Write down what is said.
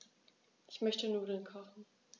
Ich möchte Nudeln kochen.